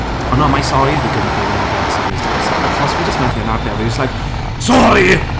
Although my sorrys become a bit more aggressive these times, so achos fi jyst methu anadlu a fi jyst like "SORI!"